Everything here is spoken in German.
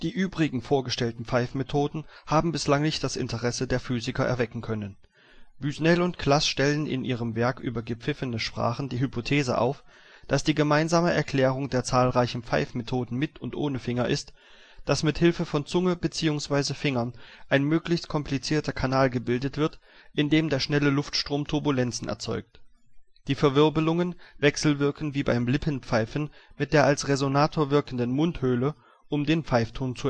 übrigen vorgestellten Pfeifmethoden haben bislang nicht das Interesse der Physiker erwecken können. Busnel und Classe stellen in ihrem Werk über gepfiffene Sprachen die Hypothese auf, dass die gemeinsame Erklärung der zahlreichen Pfeifmethoden mit und ohne Finger ist, dass mit Hilfe von Zunge bzw. Fingern ein möglichst komplizierter Kanal gebildet wird, in dem der schnelle Luftstrom Turbulenzen erzeugt. Die Verwirbelungen wechselwirken wie beim Lippenpfeifen mit der als Resonator wirkenden Mundhöhle, um den Pfeifton